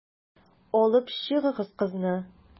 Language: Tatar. Алып чыгыгыз кызны.